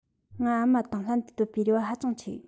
ང ཨ མ དང ལྷན དུ སྡོད པའི རེ བ ཧ ཅང ཆེ